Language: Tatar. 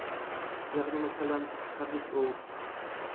-ягъни мәсәлән, хәдис ул,